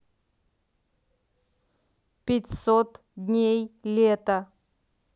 пятьсот дней лета